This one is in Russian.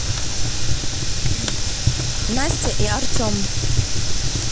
настя и артем